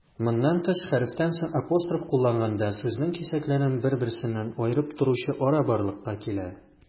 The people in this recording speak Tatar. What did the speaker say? Моннан тыш, хәрефтән соң апостроф кулланганда, сүзнең кисәкләрен бер-берсеннән аерып торучы ара барлыкка килә.